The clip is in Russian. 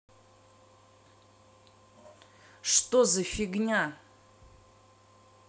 что за фигня